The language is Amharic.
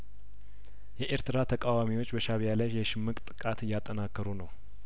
የኤርትራ ተቃዋሚዎች በሻእቢያ ላይ የሽምቅ ጥቃት እያጠናከሩ ነው